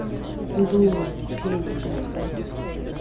дура песня